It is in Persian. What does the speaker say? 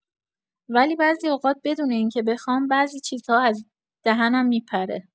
ولی بعضی اوقات بدون این که بخوام بعضی چیزها از دهنم می‌پره.